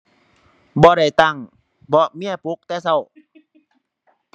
บ่ได้ตั้ง เพราะเมียปลุกแต่เช้า